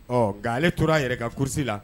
Ɔ nka ale tora a yɛrɛ ka course la